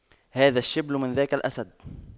هذا الشبل من ذاك الأسد